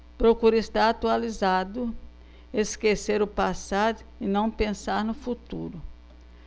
procuro estar atualizado esquecer o passado e não pensar no futuro